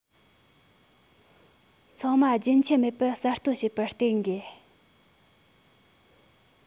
ཚང མ རྒྱུན ཆད མེད པར གསར གཏོད བྱེད པར བརྟེན དགོས